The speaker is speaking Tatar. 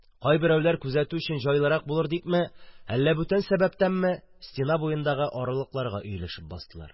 Кайберәүләр, күзәтү өчен җайлырак булыр дипме, әллә бүтән сәбәптәнме, стена буендагы аралыкларга өелешеп бастылар.